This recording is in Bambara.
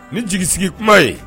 Nin jigi sigi kuma ye